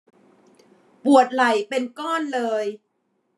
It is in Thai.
ปวดไหล่เป็นก้อนเลย